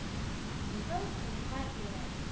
Бозау колынга иярә, т